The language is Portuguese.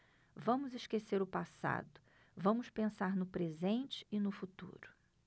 vamos esquecer o passado vamos pensar no presente e no futuro